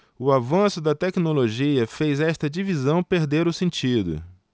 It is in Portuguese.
o avanço da tecnologia fez esta divisão perder o sentido